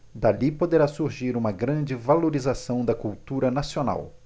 dali poderá surgir uma grande valorização da cultura nacional